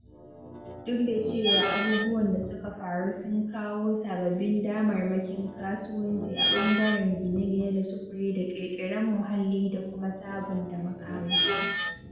Duk da cewa abubuwan da suka faru sun kawo sababbin damarmakin kasuwanci a ɓangaren gine-gine da sufuri da ƙirƙiren muhalli da kuma sabunta makamashi.